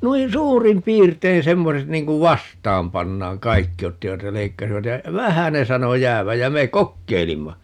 noin suurin piirtein semmoiset niin kuin vastaan pannaan kaikki ottivat ja leikkasivat ja vähän ne sanoi jäävän ja me kokeilimme